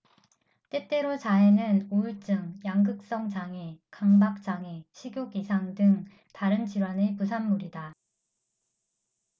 때때로 자해는 우울증 양극성 장애 강박 장애 식욕 이상 등 다른 질환의 부산물이다